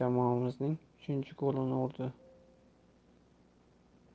jamoamizning uchinchi golini urdi